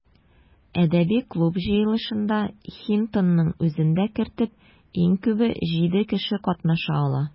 Әдәби клуб җыелышында, Хинтонның үзен дә кертеп, иң күбе җиде кеше катнаша ала.